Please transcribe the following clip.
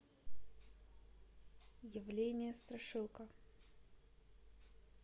явление страшилка